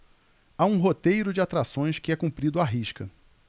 há um roteiro de atrações que é cumprido à risca